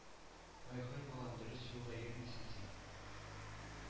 — ай-һай, балам, дөрес юлда йөрмисең син.